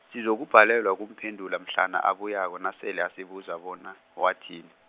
sizokubhalelwa kumphendula mhlana abuyako nasele asibuza bona, wathini.